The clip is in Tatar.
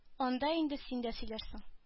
Анда инде син дә сөйләрсең